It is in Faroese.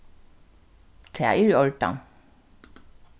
tað er í ordan